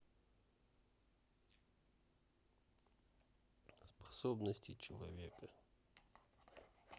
способности человека